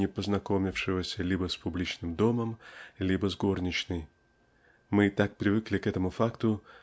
не познакомившегося либо с публичным домом либо с горничной. Мы так привыкли к этому факту